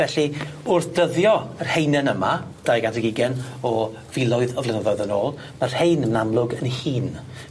Felly wrth dyddio yr haenen yma dau gant ag ugen o filoedd o flynyddoedd yn ôl ma'r rhein yn amlwg yn hŷn.